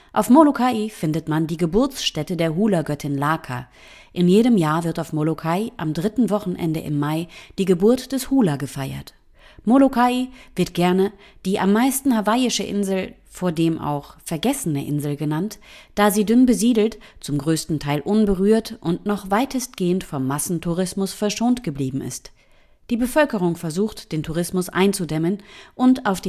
Auf Molokaʻi findet man die Geburtsstätte der Hulagöttin Laka, in jedem Jahr wird auf Molokaʻi am dritten Wochenende im Mai die Geburt des Hula gefeiert. Molokaʻi wird gerne die am meisten hawaiische Insel, vordem auch „ vergessene Insel “genannt, da sie dünn besiedelt, zum größten Teil unberührt und noch weitestgehend vom Massentourismus verschont geblieben ist. Die Bevölkerung versucht den Tourismus einzudämmen und auf